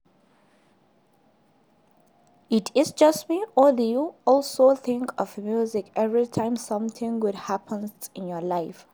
Is it just me or do you also think of music every time something good happens in your life.